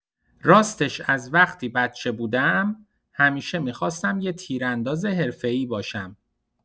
راستش از وقتی بچه بودم، همیشه می‌خواستم یه تیرانداز حرفه‌ای باشم.